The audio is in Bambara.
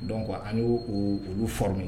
Dɔn ko an olu fɔra min